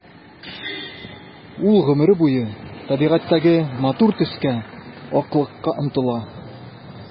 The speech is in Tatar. Ул гомере буе табигатьтәге матур төскә— аклыкка омтыла.